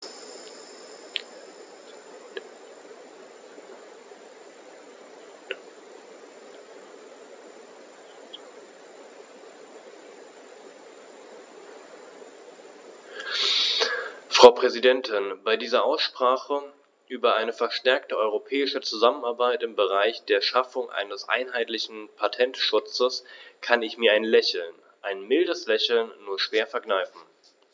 Frau Präsidentin, bei dieser Aussprache über eine verstärkte europäische Zusammenarbeit im Bereich der Schaffung eines einheitlichen Patentschutzes kann ich mir ein Lächeln - ein mildes Lächeln - nur schwer verkneifen.